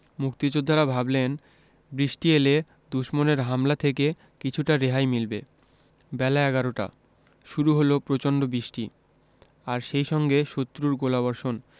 মুক্তিযোদ্ধারা ভাবলেন বৃষ্টি এলে দুশমনের হামলা থেকে কিছুটা রেহাই মিলবে বেলা এগারোটা শুরু হলো প্রচণ্ড বৃষ্টি আর সেই সঙ্গে শত্রুর গোলাবর্ষণ